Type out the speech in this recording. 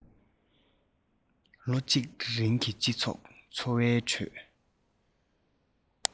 ལོ ངོ གཅིག རིང གི སྤྱི ཚོགས འཚོ བའི ཁྲོད